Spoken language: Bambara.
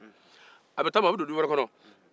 a bɛ don du wɛrɛ kɔnɔ